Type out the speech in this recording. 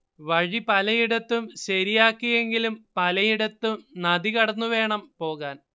വഴി പലയിടത്തും ശരിയാക്കിയെങ്കിലും പലയിടത്തും നദി കടന്നുവേണം പോകാൻ